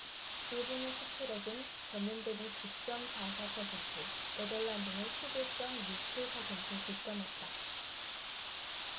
일본의 수출액은 전년대비 구 쩜 사 사 퍼센트 네덜란드는 십 오 쩜 육 칠 퍼센트 급감했다